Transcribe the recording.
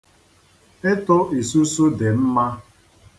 Ịtụ isusu dị mma.